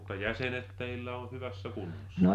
mutta jäsenet teillä on hyvässä kunnossa